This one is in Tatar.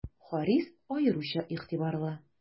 Харис аеруча игътибарлы.